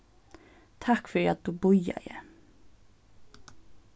takk fyri at tú bíðaði